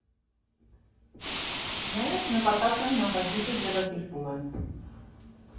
Նայած նպատակը, նախագիծը, ձևակերպումը։